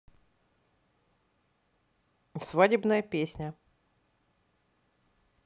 свадебная песня